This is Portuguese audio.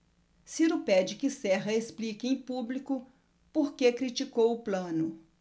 ciro pede que serra explique em público por que criticou plano